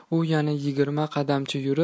u yana yigirma qadamcha yurib